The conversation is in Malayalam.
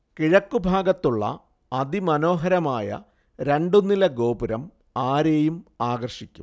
കിഴക്കുഭാഗത്തുള്ള അതിമനോഹരമായ രണ്ടുനില ഗോപുരം ആരെയും ആകർഷിയ്ക്കും